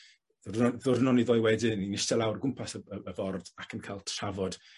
row- ddiwrnod neu ddwy wedyn 'yn ni'n iste lawr gwmpas y b- y ford ac yn ca'l trafod